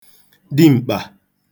dim̀kpà